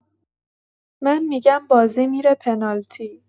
من می‌گم بازی می‌ره پنالتی.